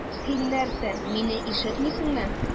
Син нәрсә, мине ишетмисеңме?